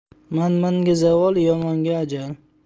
manmanga zavol yomonga ajal